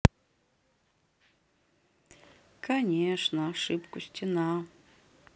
конечно ошибку стена